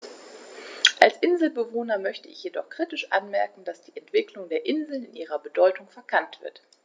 Als Inselbewohner möchte ich jedoch kritisch anmerken, dass die Entwicklung der Inseln in ihrer Bedeutung verkannt wird.